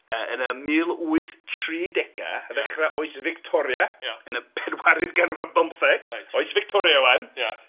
..yn y mil wyth tri degau ar ddechrau oes Fictoria yn y pedwaredd ganrif ar bymtheg oes Fictoria wan.